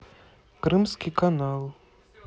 крымский канал